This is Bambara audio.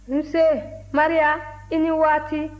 nse maria i ni waati